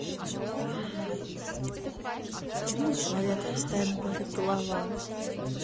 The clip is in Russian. почему у человека постоянно болит голова